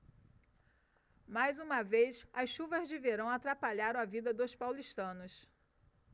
mais uma vez as chuvas de verão atrapalharam a vida dos paulistanos